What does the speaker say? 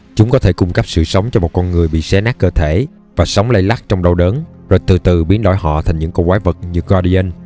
chúng có thể cung cấp sự sống cho một con người bị xé nát cơ thể và sống lay lắt trong đau đớn rồi từ từ biến đổi họ thành những con quái vật như guardian